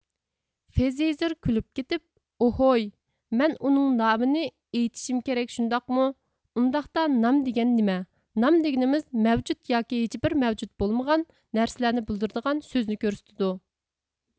فىزېيزېر كۈلۈپ كېتىپ ئوھۇي مەن ئۇنىڭ نامىنى ئېيتىشىم كېرەك شۇنداقمۇ ئۇنداقتا نام دېگەن نېمە نام دېگىنىمىز مەۋجۇت ياكى ھىچبىر مەۋجۇت بولمىغان نەرسىلەرنى بىلدۈرىدىغان سۆزنى كۆرسىتىدۇ